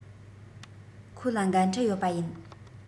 ཁོ ལ འགན འཁྲི ཡོད པ ཡིན